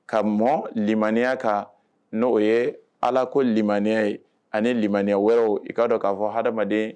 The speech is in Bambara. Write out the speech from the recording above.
Ka mɔlimaniya kan n'o oo ye ala ko limaniya ye ani mya wɛrɛ i k'a dɔn k'a fɔ hadamaden